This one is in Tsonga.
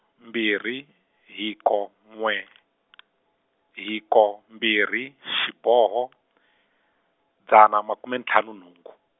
mbirhi, hiko n'we, hiko mbirhi xiboho , dzana makume ntlhanu nhungu.